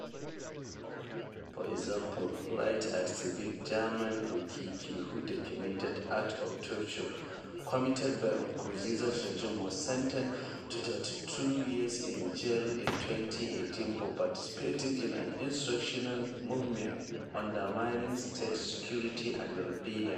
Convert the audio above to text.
For example, rights activist Germain Rukiki who documented acts of torture committed by Nkurunziza’s regime was sentenced to 32 years in jail in 2018 for participation in an insurrectional movement, undermining state security and rebellion.